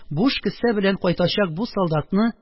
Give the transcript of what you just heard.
Буш кесә белән кайтачак бу солдатны